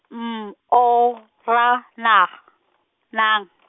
M O ra na G, nang.